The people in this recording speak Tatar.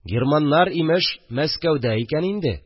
Германнар, имеш, Мәскәүдә икән инде